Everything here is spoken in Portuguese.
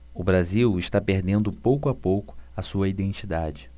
o brasil está perdendo pouco a pouco a sua identidade